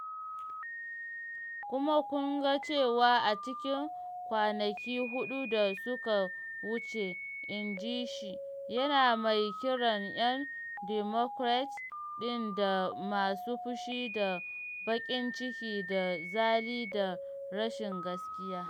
“Kuma kun ga cewa a cikin kwanaki huɗu da suka wuce,” inji shi, yana mai kiran ‘yan Democrat ɗin da “masu fushi da baƙin ciki da zali da rashin gaskiya.”